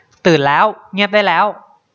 ตื่นแล้วเงียบได้แล้ว